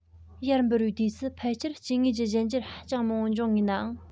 ཡར འབུར པའི དུས སུ ཕལ ཆེར སྐྱེ དངོས ཀྱི གཞན འགྱུར ཧ ཅང མང བོ འབྱུང ངེས ནའང